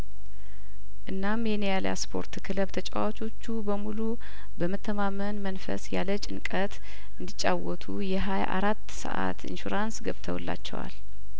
እናም የኒያላ ስፖርት ክለብ ተጫዋቾቹ በሙሉ በመተማመን መንፈስ ያለ ጭንቀት እንዲ ጫወቱ የሀያአራት ሰአት ኢንሹራንስ ገብተውላቸዋል